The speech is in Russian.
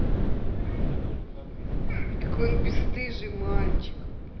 какой он бестыжий мальчик